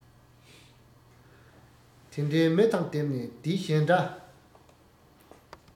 དེ འདྲའི མི དང བསྡེབས ནས བསྡད གཞན འདྲ